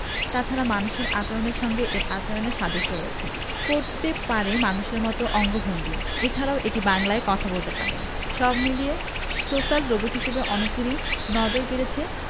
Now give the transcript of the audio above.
তাছাড়া মানুষের আচরণের সঙ্গে এর আচরণের সাদৃশ্য রয়েছে করতে পারে মানুষের মতো অঙ্গভঙ্গি এছাড়াও এটি বাংলায় কথাও বলতে পারে সব মিলিয়ে সোশ্যাল রোবট হিসেবে অনেকেরই নজর কেড়েছে